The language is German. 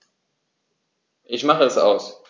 Ich mache es aus.